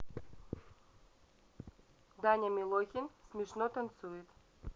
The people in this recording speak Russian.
даня милохин смешно танцует